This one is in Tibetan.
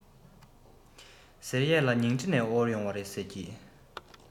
ཟེར ཡས ལ ཉིང ཁྲི ནས དབོར ཡོང བ རེད ཟེར གྱིས